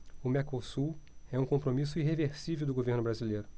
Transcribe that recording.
o mercosul é um compromisso irreversível do governo brasileiro